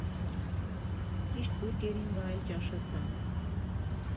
Ճիշտ բուրգերին վայել ճաշացանկ։